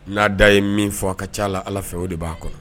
N'a da ye min fɔ a ka ca la ala fɛ o de b'a kɔnɔ